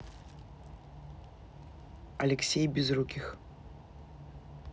алексей безруких